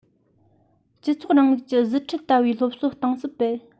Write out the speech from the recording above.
སྤྱི ཚོགས རིང ལུགས ཀྱི གཟི ཁྲེལ ལྟ བའི སློབ གསོ གཏིང ཟབ སྤེལ